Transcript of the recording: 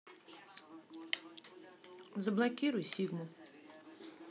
разблокируй сигму